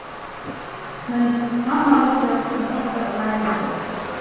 men mamma líggjas kom ofta og vardi hann